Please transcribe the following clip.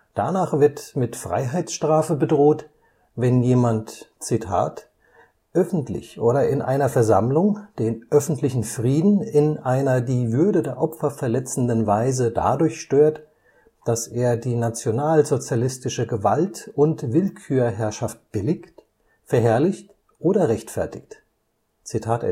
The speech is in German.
Danach wird mit Freiheitsstrafe bedroht, wenn jemand „ öffentlich oder in einer Versammlung den öffentlichen Frieden in einer die Würde der Opfer verletzenden Weise dadurch stört, dass er die nationalsozialistische Gewalt - und Willkürherrschaft billigt, verherrlicht oder rechtfertigt. “Das